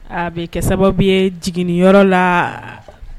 A be kɛ sababu ye jiginiyɔrɔ la